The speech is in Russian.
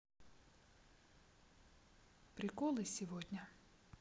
приколы сегодня